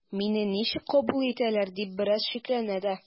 “мине ничек кабул итәрләр” дип бераз шикләнә дә.